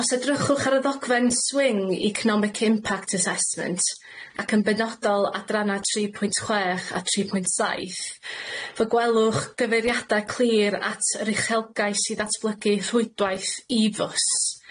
Os edrychwch ar y ddogfen swing, Economic Impact Assessment, ac yn benodol adranna' tri pwynt chwech a tri pwynt saith, fe gwelwch gyfeiriada' clir at yr uchelgais i ddatblygu rhwydwaith ee fws,